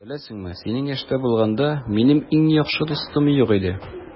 Беләсеңме, синең яшьтә булганда, минем иң яхшы дустым юк иде.